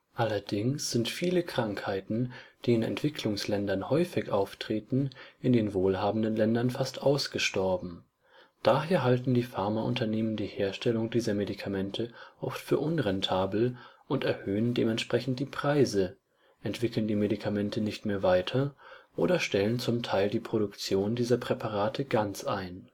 Allerdings sind viele Krankheiten, die in Entwicklungsländern häufig auftreten, in den wohlhabenden Ländern fast ausgestorben; daher halten die Pharmaunternehmen die Herstellung dieser Medikamente oft für unrentabel und erhöhen dementsprechend die Preise, entwickeln die Medikamente nicht mehr weiter oder stellen zum Teil die Produktion dieser Präparate ganz ein